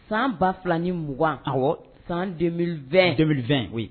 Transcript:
San ba 2 ni mugan san den denele2 o